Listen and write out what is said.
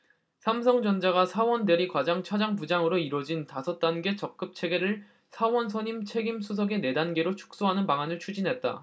삼성전자가 사원 대리 과장 차장 부장으로 이뤄진 다섯 단계 직급체계를 사원 선임 책임 수석의 네 단계로 축소하는 방안을 추진한다